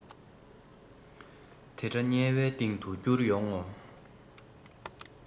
དེ འདྲ དམྱལ བའི གཏིང དུ བསྐྱུར ཡོང ངོ